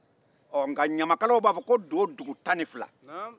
ɔ nka ɲamakalaw b'a fɔ ko do dugu tan ni fila